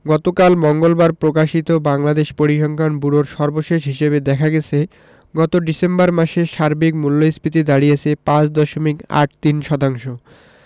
গতকাল মঙ্গলবার প্রকাশিত বাংলাদেশ পরিসংখ্যান ব্যুরোর সর্বশেষ হিসাবে দেখা গেছে গত ডিসেম্বর মাসে সার্বিক মূল্যস্ফীতি দাঁড়িয়েছে ৫ দশমিক ৮৩ শতাংশ